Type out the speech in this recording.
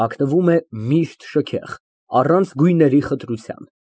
Հագնվում է միշտ շքեղ, առանց գույների խտրության։